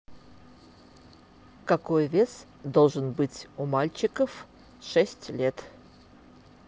какой вес должен быть у мальчиков шесть лет